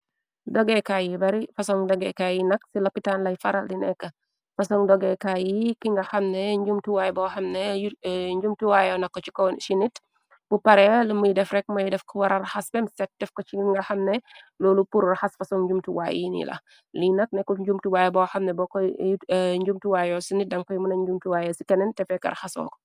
dogeekaay yi bari fasong-dogeekaay yi nak ci la pitaan lay faral di nekk fasong dogeekaay yi ki nga xamne njumtuwaayo nako ci ko ci nit bu pare lë muy defrek mëy def ko warar xas femsek def ko ci nga xamne loolu pural xas fasong njumtuwaayo yi ni la li nak nekko njumtuwaayo bo xamne bo koy njumtuwaayo ci nit dan koy mëna njumtuwaayo ci keneen te feekar xasooko.